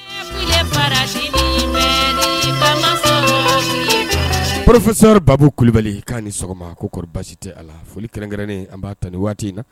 Orofakisɛsɛ baabu kulubali k'a ni sɔgɔma koɔri basi tɛ a foli kɛrɛnkɛrɛnnen an'a tan ni waati in na